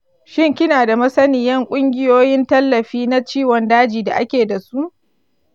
shin kina da masaniyan ƙungiyoyin tallafi na ciwon daji da ake dasu?